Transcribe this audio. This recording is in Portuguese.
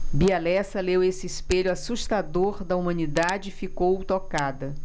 bia lessa leu esse espelho assustador da humanidade e ficou tocada